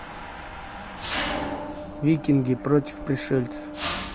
викинги против пришельцев